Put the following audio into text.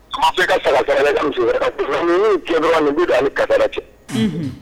, unhun